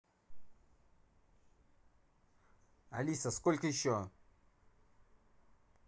алиса сколько еще